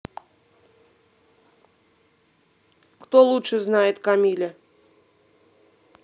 кто лучше знает камиля